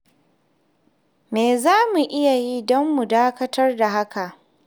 Me za mu iya yi don mu dakatar da hakan?